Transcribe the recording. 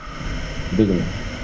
dëgg la